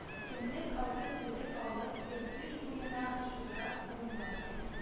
Көнлек азык-төлек алып, иртыш буена, ышыграк урынга